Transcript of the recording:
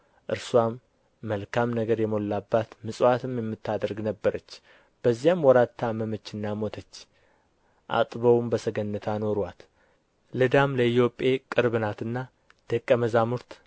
እርስዋም መልካም ነገር የሞላባት ምጽዋትም የምታደርግ ነበረች በዚያም ወራት ታመመችና ሞተች አጥበውም በሰገነት አኖሩአት ልዳም ለኢዮጴ ቅርብ ናትና ደቀ መዛሙርት